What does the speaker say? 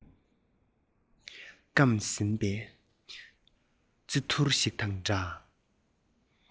བསྐམས ཟིན པའི རྩི ཐུར ཞིག དང འདྲ